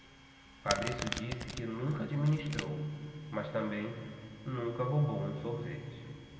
fabrício disse que nunca administrou mas também nunca roubou um sorvete